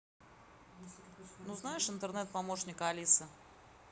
ну знаешь интернет помощника алисы